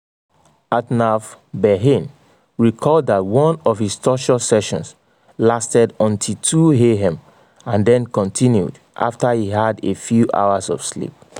Atnaf Berhane recalled that one of his torture sessions lasted until 2 a.m. and then continued after he had a few hours of sleep.